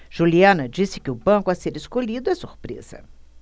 juliana disse que o banco a ser escolhido é surpresa